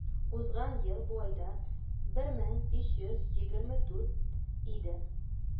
Узган ел бу айда 1524 иде.